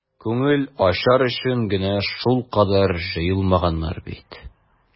Күңел ачар өчен генә шулкадәр җыелмаганнар бит.